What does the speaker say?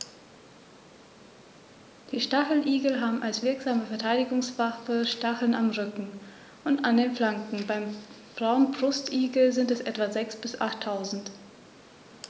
Die Stacheligel haben als wirksame Verteidigungswaffe Stacheln am Rücken und an den Flanken (beim Braunbrustigel sind es etwa sechs- bis achttausend).